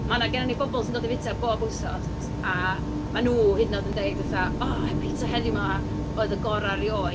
Ma' 'na... genna ni bobl sy'n dod i fyta bob wythnos a maen nhw hyd yn oed yn deud fatha, "O, pitsa heddiw 'ma oedd y gorau erioed."